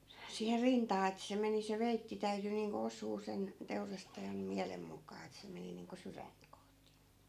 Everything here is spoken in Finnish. siihen rintaan että se meni se veitsi täytyi niin kuin osua sen teurastajan mielen mukaan että se meni niin kuin sydäntä kohti